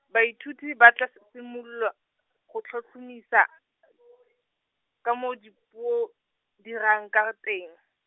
baithuti ba tla s- simolola, go tlhotlhomisa , ka moo di puo, dirang ka teng.